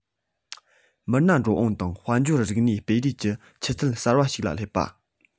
མི སྣ འགྲོ འོང དང དཔལ འབྱོར རིག གནས སྤེལ རེས ཀྱི ཆུ ཚད གསར པ ཞིག ལ སླེབས པ